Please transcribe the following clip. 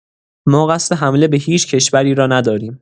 ما قصد حمله به هیچ کشوری را نداریم.